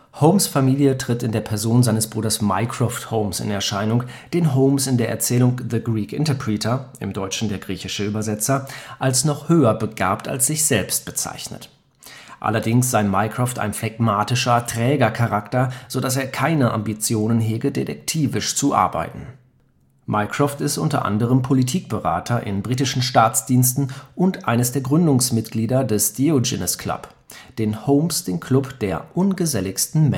Holmes’ Familie tritt in der Person seines Bruders Mycroft Holmes in Erscheinung, den Holmes in der Erzählung The Greek Interpreter (dt: Der griechische Übersetzer) als noch höher begabt als sich selbst bezeichnet, allerdings sei Mycroft ein phlegmatischer, träger Charakter, so dass er keine Ambitionen hege, detektivisch zu arbeiten. Mycroft ist u. a. Politikberater in britischen Staatsdiensten (mehr detailliert beschrieben in " The Bruce-Partington Plans ") und ein der Gründungsmitglieder des Diogenes Club, den Holmes den Klub der „ ungeselligsten